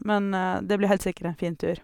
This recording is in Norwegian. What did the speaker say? Men det blir heilt sikkert en fin tur.